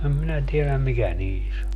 en minä tiedä mikä niissä on